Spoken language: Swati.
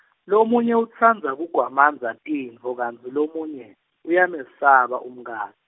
lomunye utsandza kugwamandza tinfto kantsi lomunye, uyamesaba umka.